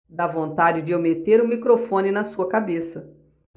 dá vontade de eu meter o microfone na sua cabeça